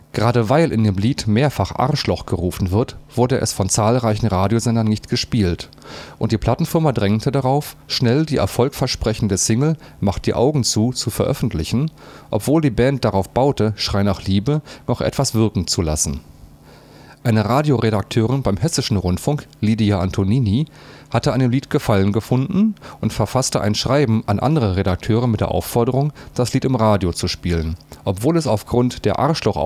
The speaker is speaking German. Gerade weil in dem Lied mehrfach „ Arschloch! “gerufen wird, wurde es von zahlreichen Radiosendern nicht gespielt, und die Plattenfirma drängte darauf, schnell die erfolgversprechende Single „ Mach die Augen zu “zu veröffentlichen, obwohl die Band darauf baute, „ Schrei nach Liebe “noch „ etwas wirken zu lassen “. Eine Radioredakteurin beim Hessischen Rundfunk (Lidia Antonini) hatte an dem Lied Gefallen gefunden und verfasste ein Schreiben an andere Redakteure mit der Aufforderung, das Lied im Radio zu spielen, obwohl es aufgrund der „ Arschloch